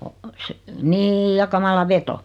on se niin ja kamala veto